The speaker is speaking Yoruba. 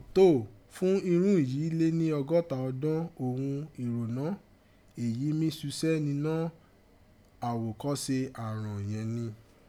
Tóò, fún irun yìí lé ni ọgọ́ta ọdọ́n òghun ìrònọ́ èyí mí susẹ́ nínọ́ àwòkọ́se àrọ̀n yẹ̀n rin.